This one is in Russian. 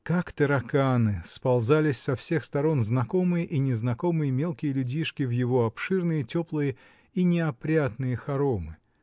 Как тараканы, сползались со всех сторон знакомые и незнакомые мелкие людишки в его обширные, теплые и неопрятные хоромы